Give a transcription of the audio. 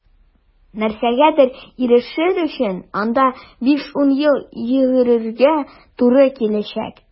Нәрсәгәдер ирешер өчен анда 5-10 ел йөгерергә туры киләчәк.